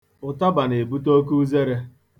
Ụtaba na-ebute oke uzere.